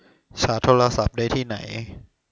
ชาร์จโทรศัพท์ได้ที่ไหน